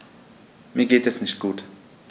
Mir geht es nicht gut.